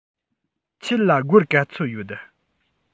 ཁྱེད ལ སྒོར ག ཚོད ཡོད